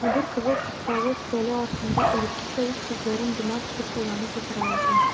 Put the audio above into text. Мөдир кызыл постаулы өстәле артында элеккечә үк күзләрен йома төшеп уйланып утыра иде.